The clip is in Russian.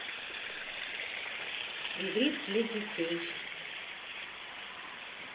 иврит для детей